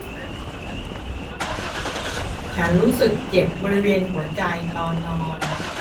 ฉันรู้สึกเจ็บบริเวณหัวใจตอนนอน